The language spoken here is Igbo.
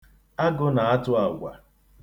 Agụ na-atụ agwa.